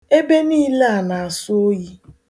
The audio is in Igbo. ̣Ebe niile a na-asọ oyi